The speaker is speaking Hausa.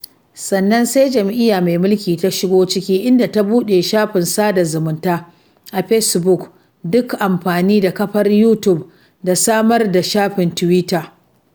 Sannan sai jam'iyya mai mulki ta shigo ciki, inda ta buɗe shafin sada zumunta a fesbuk da amfani da kafar Youtube da samar da shafin tiwita.